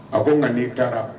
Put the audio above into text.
A ko nka n'i taara